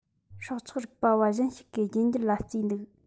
སྲོག ཆགས རིག པ བ གཞན ཞིག གིས རྒྱུད འགྱུར ལ བརྩིས འདུག